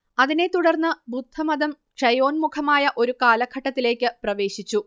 അതിനെ തുടർന്ന് ബുദ്ധമതം ക്ഷയോന്മുഖമായ ഒരു കാലഘട്ടത്തിലേക്ക് പ്രവേശിച്ചു